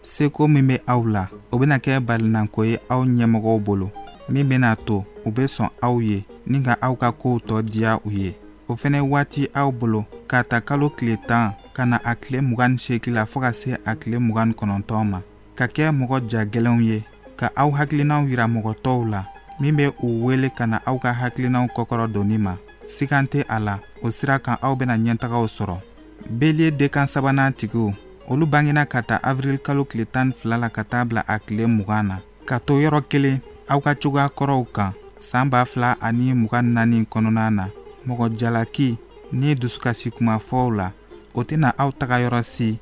Se min bɛ aw la o bɛna kɛ balinankɔ ye aw ɲɛmɔgɔw bolo min bɛna'a to u bɛ sɔn aw ye ni ka aw ka kow tɔ diya u ye o fana waati aw bolo ka ta kalo tile tan ka na a tile 28e la fo ka se a tile 2 kɔnɔntɔn ma ka kɛ mɔgɔ ja gɛlɛnlɛnw ye ka aw hakilikilinaw jira mɔgɔ tɔw la min bɛ u wele ka na aw ka hakilikilina kɔ kɔrɔ doni ma si kan tɛ a la o sira kan aw bɛna ɲɛta sɔrɔ b de kan3 tigɛ olu bangna ka taa awbiri kalo tile tan ni fila ka taa bila a tile 2 na ka to yɔrɔ kelen aw ka cogoyakɔrɔw kan sanba fila ani 2 naani kɔnɔna na mɔgɔ jalalaki ni ye dusukasikuma fɔw la o tɛna aw tagayɔrɔ sen